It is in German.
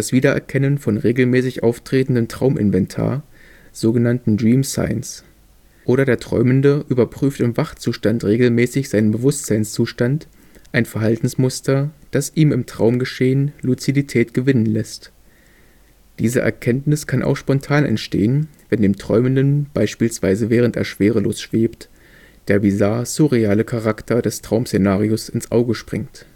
Wiedererkennen von regelmäßig auftretendem Trauminventar, sogenannten " dream signs ". Oder der Träumende überprüft im Wachzustand regelmäßig seinen Bewusstseinszustand, ein Verhaltensmuster, das ihm im Traumgeschehen Luzidität gewinnen läßt. Diese Erkenntnis kann auch spontan entstehen, wenn dem Träumenden - beispielsweise während er schwerelos schwebt - der bizarr-surreale Charakter des Traumszenarios ins Auge springt